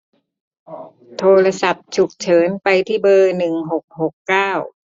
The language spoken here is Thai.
โทรศัพท์ฉุกเฉินไปที่เบอร์หนึ่งหกหกเก้า